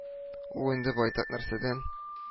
Ул инде байтак нәрсәдән